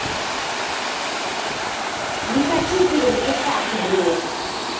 не хочу перезапускать игру